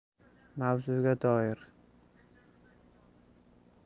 mavzuga doir